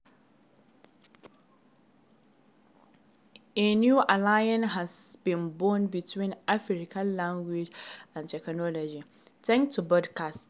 A new alliance has been born between African languages and technology, thanks to podcasts.